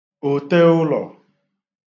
òteụlọ̀